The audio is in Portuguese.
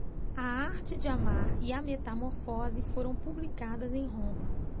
a arte de amar e a metamorfose foram publicadas em roma